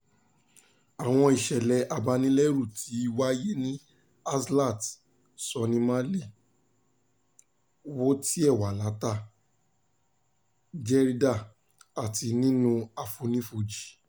Àwọn ìṣẹ̀lẹ̀ abanilẹ́rù ti wáyé ní Azlatt, Sony Malé, Wothie, Walata, Jreida àti nínú àfonífojì.